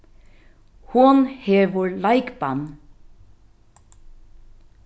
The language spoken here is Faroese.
hon hevur leikbann